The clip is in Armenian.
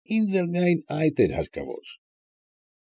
Ինձ էլ միայն այդ էր հարկավոր։